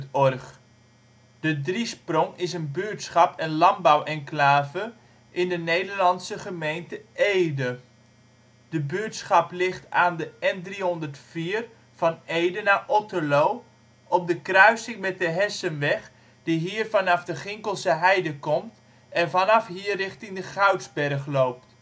OL Driesprong Plaats in Nederland Situering Provincie Gelderland Gemeente Ede Coördinaten 52° 4′ NB, 5° 41′ OL Portaal Nederland De Driesprong is een buurtschap en landbouwenclave in de Nederlandse gemeente Ede. De buurtschap ligt aan de N304 van Ede naar Otterlo op de kruising met de Hessenweg die hier vanaf de Ginkelse heide komt en vanaf hier richting de Goudsberg loopt